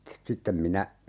sitten minä